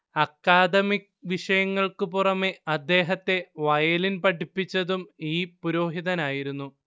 academic വിഷയങ്ങൾക്കു പുറമേ അദ്ദേഹത്തെ വയലിൻ പഠിപ്പിച്ചതും ഈ പുരോഹിതനായിരുന്നു